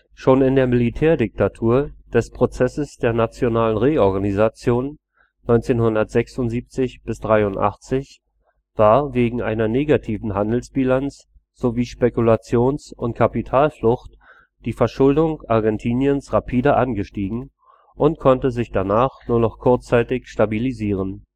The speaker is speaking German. Schon in der Militärdiktatur des „ Prozesses der Nationalen Reorganisation “1976− 83 war wegen einer negativen Handelsbilanz sowie Spekulation und Kapitalflucht die Verschuldung Argentiniens rapide angestiegen und konnte sich danach nur kurzzeitig stabilisieren